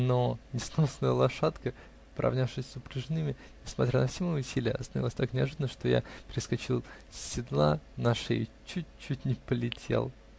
Но несносная лошадка, поравнявшись с упряжными, несмотря на все мои усилия, остановилась так неожиданно, что я перескочил с седла на шею и чуть-чуть не полетел.